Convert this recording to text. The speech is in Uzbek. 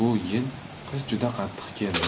bu yil qish juda qattiq keldi